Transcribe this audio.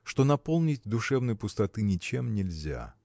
что наполнить душевной пустоты ничем нельзя.